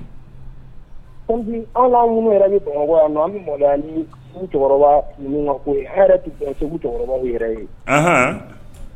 Bama mɔ